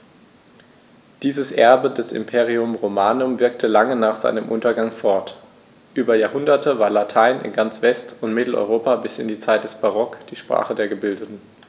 Dieses Erbe des Imperium Romanum wirkte lange nach seinem Untergang fort: Über Jahrhunderte war Latein in ganz West- und Mitteleuropa bis in die Zeit des Barock die Sprache der Gebildeten.